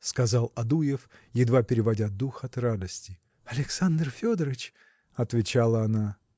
– сказал Адуев, едва переводя дух от радости. – Александр Федорыч!. – отвечала она.